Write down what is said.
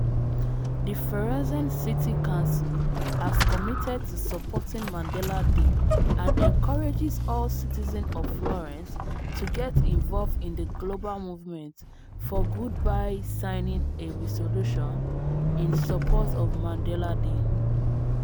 The Firenze City Council has committed to supporting Mandela Day and encourages all citizens of Florence to get involved in the global movement for good by signing a resolution in support of Mandela Day.